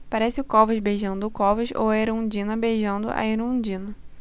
parece o covas beijando o covas ou a erundina beijando a erundina